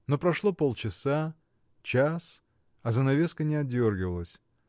Но прошло полчаса, час, а занавеска не отдергивалась.